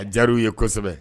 A jaru ye kɔsɛbɛ.